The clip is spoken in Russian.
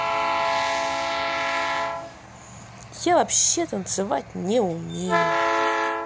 я вообще танцевать не умею